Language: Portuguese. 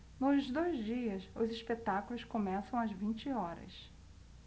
nos dois dias os espetáculos começam às vinte horas